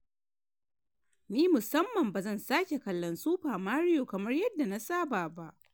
Ni, Musamman, bazan sake kallon Super Mario kamar yadda na saba ba.